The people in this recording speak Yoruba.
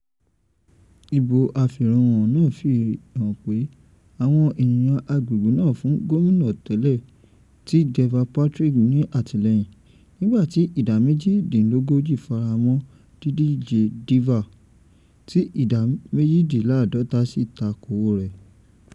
Ìbò afèròhàn náà fi hàn pé àwọn ènìyàn agbègbè náà fún Gómìnà tẹ́lẹ̀ tí Deval Patrick ní àtìlẹyìn nígbà tí ìdá méjìdínlógójì faramọ́ dídíje Deval, tí ìdá méjìdíláàdọ́ta sì tako rẹ̀.